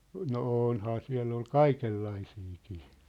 no onhan siellä ollut kaikenlaisiakin